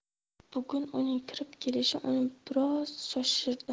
bugun uning kirib kelishi uni biroz shoshirdi